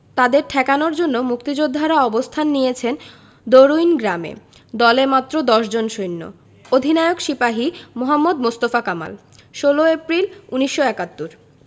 তাদের ঠেকানোর জন্য মুক্তিযোদ্ধারা অবস্থান নিয়েছেন দরুইন গ্রামে দলে মাত্র দশজন সৈন্য অধিনায়ক সিপাহি মোহাম্মদ মোস্তফা কামাল ১৬ এপ্রিল ১৯৭১